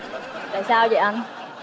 tại sao dậy anh